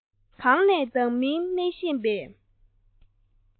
གང ནས ལྡང མིན མི ཤེས པའི